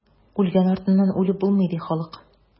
Үлгән артыннан үлеп булмый, ди халык.